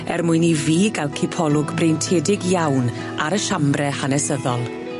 er mwyn i fi ga'l cipolwg breintiedig iawn ar y siambre hanesyddol.